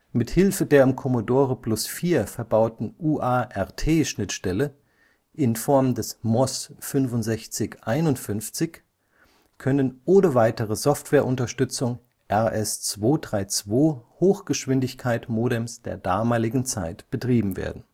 Mithilfe der im Commodore Plus/4 verbauten UART-Schnittstelle in Form des MOS 6551 können ohne weitere Softwareunterstützung RS-232-Hochgeschwindigkeit-Modems der damaligen Zeit betrieben werden